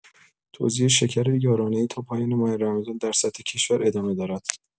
توزیع شکر یارانه‌ای تا پایان ماه رمضان در سطح کشور ادامه دارد.